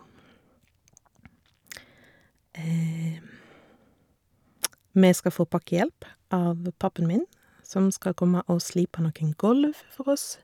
Vi skal få pakkehjelp av pappaen min, som skal komme og slipe noen gulv for oss.